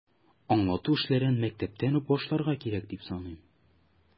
Аңлату эшләрен мәктәптән үк башларга кирәк, дип саныйм.